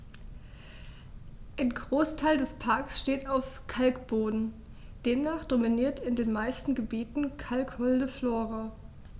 Ein Großteil des Parks steht auf Kalkboden, demnach dominiert in den meisten Gebieten kalkholde Flora.